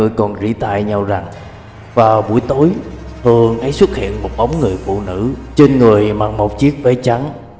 còn rỉ tai nhau rằng vào buổi tối thường thấy xuất hiện một bóng người phụ nữ trên người mặc một chiếc váy trắng